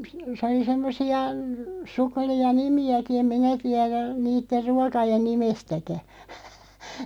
se oli semmoisia sukkelia nimiäkin en minä tiedä niiden ruokien nimestäkään